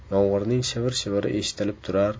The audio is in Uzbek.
yomg'irning shivir shiviri eshitilib turar